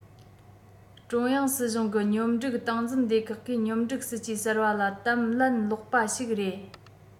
ཀྲུང དབྱང སྲིད གཞུང གི སྙོམས སྒྲིག སྟངས འཛིན སྡེ ཁག གིས སྙོམས སྒྲིག སྲིད ཇུས གསར པ ལ གཏམ ལན སློག པ ཞིག རེད